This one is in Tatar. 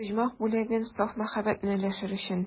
Оҗмах бүләген, саф мәхәббәтне өләшер өчен.